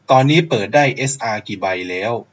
ตอนนี้เปิดได้เอสอากี่ใบแล้ว